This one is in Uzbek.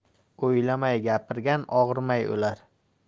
o'ylamay gapirgan og'rimay o'lar